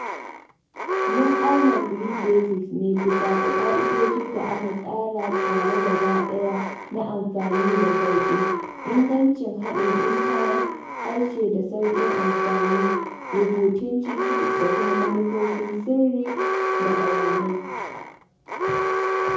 Mun auna Free Basics ne bisa ga ƙa’idoji da aka tsara tare gaba ɗaya na amfani da sauƙi, ingancin haɗin intanet, harshe da sauƙin amfani, rubutun ciki,, da kuma manufofin sirri/bayanai.